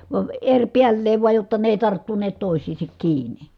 vaan eripäällään vain jotta ne ei tarttuneet toisiinsa kiinni